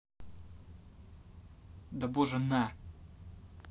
да боже на